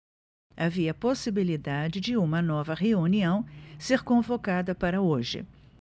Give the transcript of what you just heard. havia possibilidade de uma nova reunião ser convocada para hoje